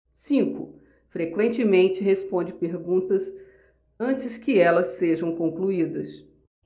cinco frequentemente responde perguntas antes que elas sejam concluídas